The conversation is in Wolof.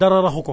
dara raxu ko